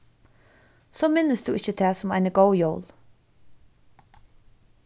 so minnist tú ikki tað sum eini góð jól